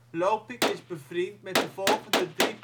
Lopik is bevriend met de volgende drie